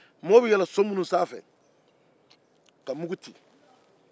mɔgɔ bɛ yɛlɛn so minnu sanfɛ ka mugu ci